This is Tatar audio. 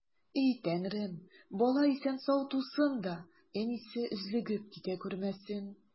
И Тәңрем, бала исән-сау тусын да, әнисе өзлегеп китә күрмәсен!